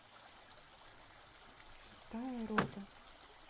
шестая рота